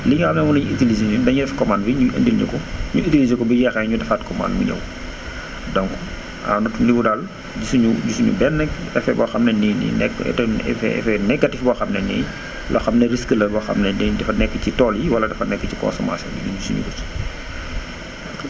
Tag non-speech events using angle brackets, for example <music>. li nga xam ne moom la ñuy utilisé ñun dañuy def commande bi ñu indil ñu ko <noise> ñu utilisé ko bu jeexee ñu defaat commande bi ñëw <noise> donc <noise> à notre niveau daal gisuñu gisuñu benn effet boo xam ne nii day nekk effet effet bu négatif boo xam ne ni <noise> loo xam ne risque la boo xam ne day dafa nekk ci tool yi wala dafa nekk ci consommation bi ñun gisuñu ko si <noise>